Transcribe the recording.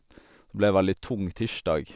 Ble veldig tung tirsdag.